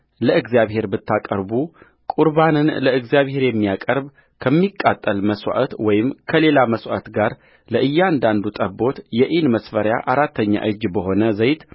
ለእግዚአብሔር ብታቀርቡቍርባኑን ለእግዚአብሔር የሚያቀርብ ከሚቃጠል መሥዋዕት ወይም ከሌላ መሥዋዕት ጋር ለእያንዳንዱ ጠቦት የኢን መስፈሪያ አራተኛ እጅ በሆነ ዘይት